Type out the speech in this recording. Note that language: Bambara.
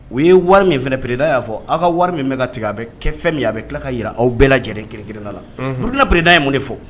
U ye wari min fana pereda y'a fɔ aw ka wari min bɛ ka tigɛ a bɛ kɛ fɛn min a bɛ tila ka jira aw bɛɛ lajɛlen ki-kelenda la bina pereda ye mun de fɔ